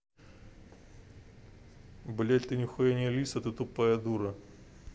блядь ты нихуя не алиса ты тупая дура